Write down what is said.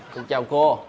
con chào cô